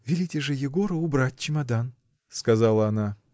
— Велите же Егору убрать чемодан, — сказала она.